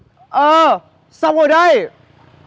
ờ xong rồi đây